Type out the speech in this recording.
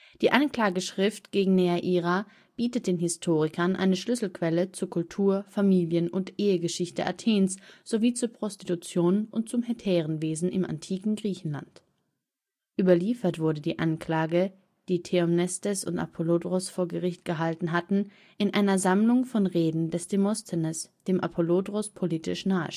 Die Anklageschrift gegen Neaira bietet den Historikern eine Schlüsselquelle zur Kultur -, Familien - und Ehegeschichte Athens sowie zur Prostitution und zum Hetärenwesen im antiken Griechenland. Überliefert wurde die Anklage, die Theomnestes und Apollodoros vor Gericht gehalten hatten, in einer Sammlung von Reden des Demosthenes, dem Apollodoros politisch nahe